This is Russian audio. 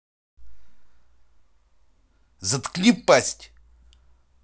заткни пасть